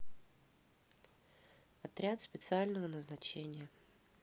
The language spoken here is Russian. отряд специального назначения